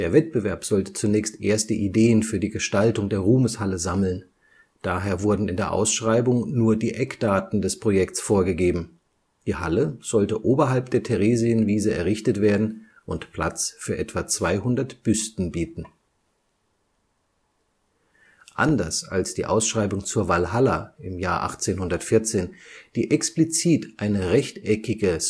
Wettbewerb sollte zunächst erste Ideen für die Gestaltung der Ruhmeshalle sammeln, daher wurden in der Ausschreibung nur die Eckdaten des Projekts vorgegeben: Die Halle sollte oberhalb der Theresienwiese errichtet werden und Platz für etwa 200 Büsten bieten. Anders als die Ausschreibung zur Walhalla im Jahr 1814, die explizit eine rechteckige